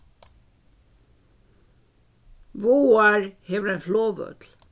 vágar hevur ein flogvøll